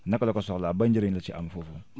naka la ko soxlaa ban njëriñ la ci am foofu noonu